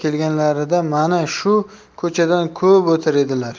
shu ko'chadan ko'p o'tar edilar